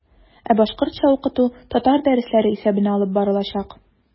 Ә башкортча укыту татар дәресләре исәбенә алып барылачак.